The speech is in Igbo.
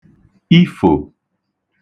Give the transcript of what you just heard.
ifò